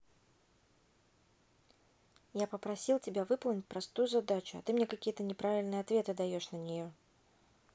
я попросил тебя выполнить простую задачу а ты мне какие то неправильные ответы даешь на нее